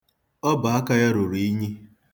Ọbọaka ya ruru unyi.